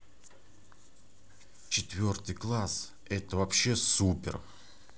основы мировых религиозных культур четвертый класс